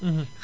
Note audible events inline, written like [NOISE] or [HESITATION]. [HESITATION] [HESITATION]